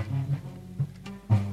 San